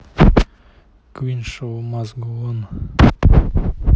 queen show must go on